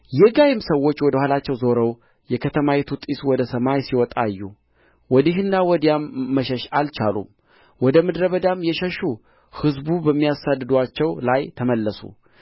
የጋይም ሰዎች ወደ ኋላቸው ዞረው የከተማይቱ ጢስ ወደ ሰማይ ሲወጣ አዩ ወዲህና ወዲያም መሸሽ አልቻሉም ወደ ምድረ በዳም የሸሹ ሕዝብ በሚያሳድዱአቸው ላይ ተመለሱ